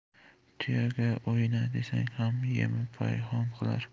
tuyaga o'yna desang hamma yemi payhon qilar